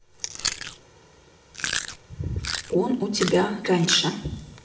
он у тебя раньше